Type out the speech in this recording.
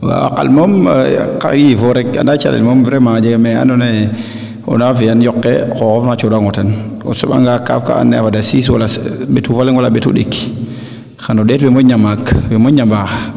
waaw a qal moom xaƴit yiifo rek anda calel moom vraiment a jega me ando naye ana fiyan yoqe xoxof na coxango ten o soɓanga kaaf ka ando naye a fada six wala sept ɓetu fa leŋ wala ɓetu ɗik xano ndeet we moƴna maak wee moƴna mbaax